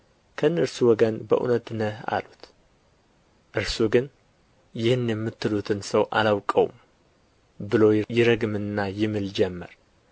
ከእነርሱ ወገን በእውነት ነህ አሉት እርሱ ግን ይህን የምትሉትን ሰው አላውቀውም ብሎ ይረገምና ይምል ጀመር